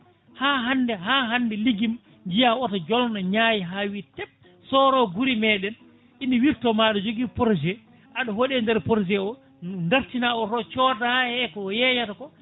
ha hande ha hande lijum jiiya oto jolna Niay ha wiiya teep soro guure meɗen ina wirtoma aɗa jogui projet aɗa hooɗe nder projet dartina oto o cooda eko yeyata ko